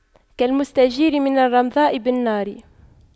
كالمستجير من الرمضاء بالنار